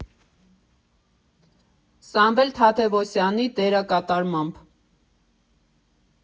Սամվել Թադևոսյանի դերակատարմամբ։